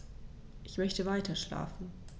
Ich möchte weiterschlafen.